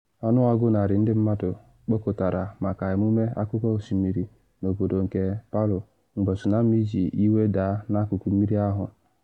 Ọnụọgụ narị ndị mmadụ kpokọtara maka emume akụkụ osimiri n’obodo nke Palu mgbe tsunami ji iwe daa n’akụkụ mmiri ahu.